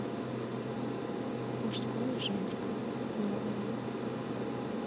мужское женское новое